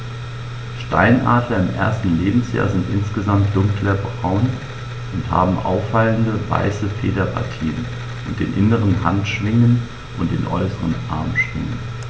Steinadler im ersten Lebensjahr sind insgesamt dunkler braun und haben auffallende, weiße Federpartien auf den inneren Handschwingen und den äußeren Armschwingen.